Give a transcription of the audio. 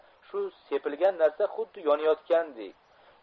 shu sepilgan narsa xuddi yonayotgandek